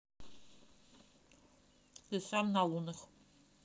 ты сам на лунах